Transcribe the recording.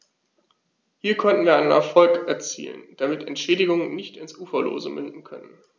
Hier konnten wir einen Erfolg erzielen, damit Entschädigungen nicht ins Uferlose münden können.